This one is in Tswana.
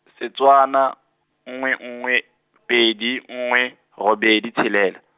Setswana, nngwe nngwe, pedi nngwe, robedi tshelela.